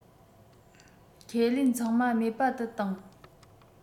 ཁས ལེན ཚང མ མེད པ དུ བཏང